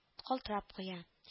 Калтырап куя